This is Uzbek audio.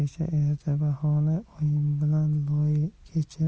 erta bahorda oyim bilan loy kechib